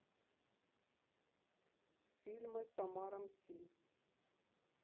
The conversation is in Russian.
фильмы с омаром си